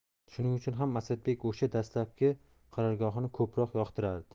shuning uchun ham asadbek o'sha dastlabki qarorgohini ko'proq yoqtirardi